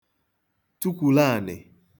tukwùlu ànị̀